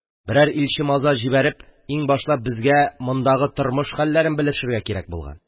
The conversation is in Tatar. Берәр илче-мазар җибәреп, иң башлап безгә мондагы тормыш хәлләрен белешергә кирәк булган.